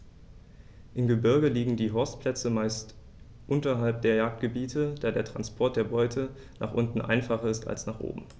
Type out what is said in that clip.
Im Gebirge liegen die Horstplätze meist unterhalb der Jagdgebiete, da der Transport der Beute nach unten einfacher ist als nach oben.